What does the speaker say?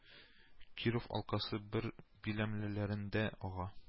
Киров алкәсе бер биләмәләрендә ага